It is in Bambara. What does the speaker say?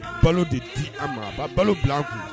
Balo de di a ma ba balo bila kun